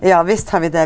ja visst har vi det.